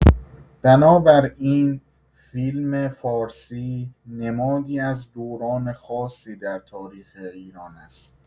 بنابراین فیلم‌فارسی نمادی از دوران خاصی در تاریخ ایران است؛